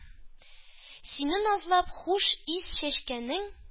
Сине назлап хуш ис чәчкәнен.